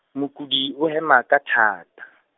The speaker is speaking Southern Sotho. mokudi, o hema ka thata.